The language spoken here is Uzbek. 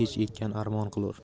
kech ekkan armon qilur